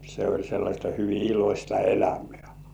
se oli sellaista hyvin iloista elämää